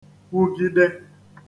kwugide